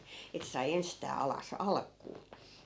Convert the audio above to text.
että sai ensistään alas alkuun